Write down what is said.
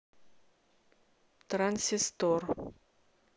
transistor